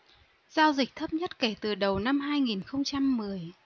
giao dịch thấp nhất kể từ đầu năm hai nghìn không trăm mười